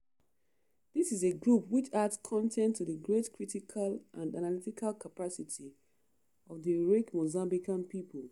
This is a group which adds content to the great critical and analytical capacity of the heroic Mozambican people.